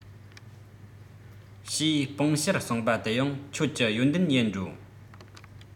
ཞེས སྤང བྱར གསུངས པ དེ ཡང ཁྱོད ཀྱི ཡོན ཏན ཡིན འགྲོ